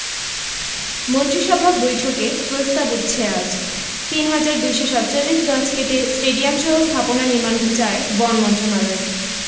মন্ত্রিসভা বৈঠকে প্রস্তাব উঠছে আজ ৩২৪৭ গাছ কেটে স্টেডিয়ামসহ স্থাপনা নির্মাণ চায় বন মন্ত্রণালয়